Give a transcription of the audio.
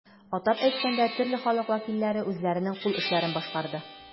Атап әйткәндә, төрле халык вәкилләре үзләренең кул эшләрен башкарды.